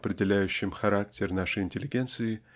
определяющим характер нашей интеллигенции